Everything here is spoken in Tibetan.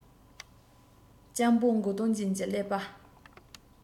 སྤྱང པོ མགོ སྟོང ཅན གྱི ཀླད པ